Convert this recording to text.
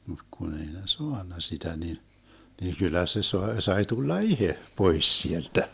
mutta kun ei ne saanut sitä niin niin kyllä se - sai tulla itse pois sieltä